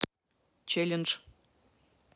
челлендж